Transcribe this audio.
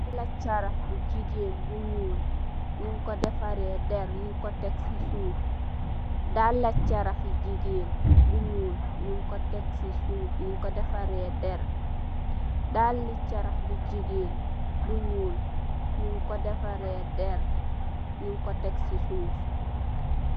Daalë carax bu jigéen bu ñuul, ñung ko defaree dér, ñung ko tek si suuf, daala carax i, jigéen bu ñuul, ñung ko tek si suuf, ñuñg ko defaree dér